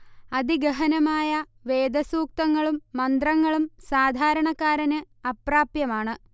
അതിഗഹനമായ വേദസുക്തങ്ങളും മന്ത്രങ്ങളും സാധാരണക്കാരന് അപ്രാപ്യമാണ്